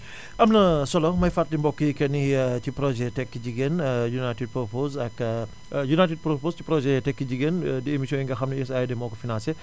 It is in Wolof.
am na solo may fàttali mbokk yi que ne ci projet tekki jigéen United purpose ak United purpose ci projet tekki jigéen di émission yi nga xam ne USAID moo ko financé